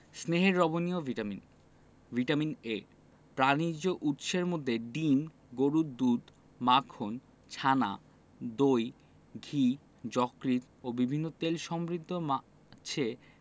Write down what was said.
স্নেহে দ্রবণীয় vitamin vitamin A প্রাণিজ উৎসের মধ্যে ডিম গরুর দুধ মাখন ছানা দই ঘি যকৃৎ ও বিভিন্ন তেলসমৃদ্ধ মাছে